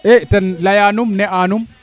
e ten leya num ne anum